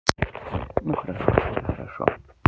ну хорошо это хорошо